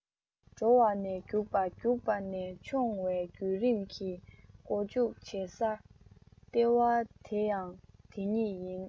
འགྲོ བ ནས རྒྱུག པ རྒྱུག པ ནས མཆོང བའི རྒྱུད རིམ གྱི མགོ འཛུགས བྱེད ས ལྟེ བ དེ ཡང འདི ཉིད ཡིན